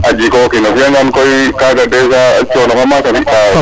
a jikokin a fiya ngan koy kaga deja cono fa maak a fika